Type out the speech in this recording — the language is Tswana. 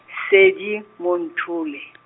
Sedimonthole .